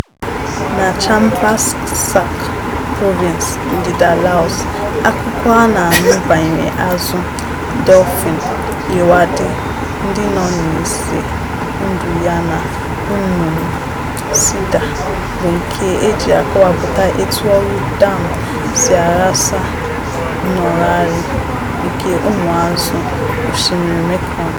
Na Champasak Province, ndịda Laos, akụkọ a na-anụ banyere azụ dọọfịn Irrawaddy ndị nọ n'ize ndụ yana nnụnụ Sida bụ nke e ji akọwapụta etu ọrụ dam si aghasa nnọgharị nke ụmụ azụ Osimiri Mekong.